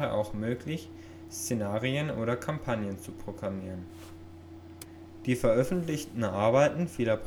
auch möglich, Szenarien oder Kampagnen zu programmieren. Die veröffentlichten Arbeiten vieler